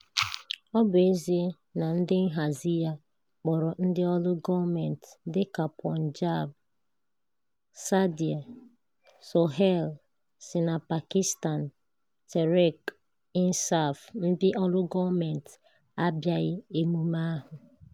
Ọ bụ ezie na ndị nhazi ya kpọrọ ndị ọrụ gọọmentị, dịka Punjab MNA Saadia Sohail si na Pakistan Tehreek e Insaf, ndị ọrụ gọọmentị abịaghị emume ahụ.